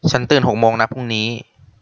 ฉันตื่นหกโมงนะพรุ่งนี้